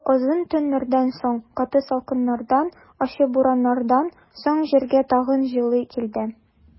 Кышкы озын төннәрдән соң, каты салкыннардан, ачы бураннардан соң җиргә тагын җылы килде.